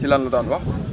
ci lan la daan wax